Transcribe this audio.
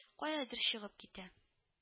Каядыр чыгып китә